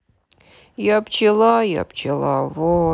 я пчела я пчеловод